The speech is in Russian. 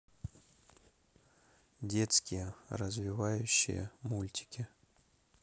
детские развивающие мультики